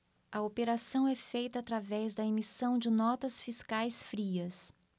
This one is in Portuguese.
a operação é feita através da emissão de notas fiscais frias